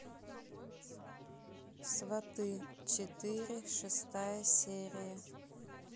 сваты четыре шестая серия